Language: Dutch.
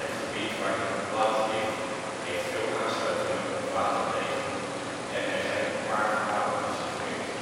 gebied, waarin de plaats ligt heeft veel aansluitingen op waterwegen en er zijn een paar gemalen gesitueerd